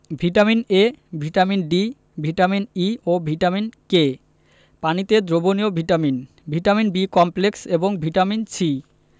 vitamin A vitamin D vitamin E ও vitamin K পানিতে দ্রবণীয় ভিটামিন ভিটামিন বি কমপ্লেক্স এবং ভিটামিন সি